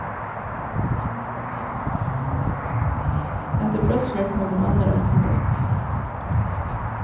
hatta er brotsverk móti mannarættindi